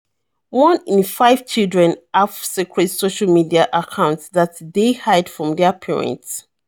One in five children have secret social media accounts that they hide from their parents